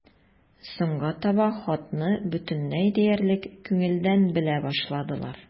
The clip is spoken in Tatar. Соңга таба хатны бөтенләй диярлек күңелдән белә башладылар.